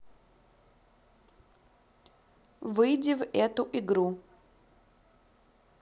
выйди в эту игру